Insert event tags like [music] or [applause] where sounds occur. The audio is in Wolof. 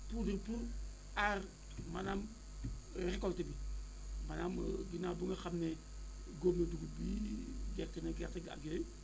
poudres yi pour aar maanaam [hesitation] récolte bi maanaam [hesitation] ginnaaw bi nga xam ne góob na dugub bi deqi nañ gerte bi ak yooyu